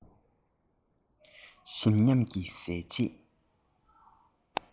ཞིམ ཉམས ཀྱིས བཟས རྗེས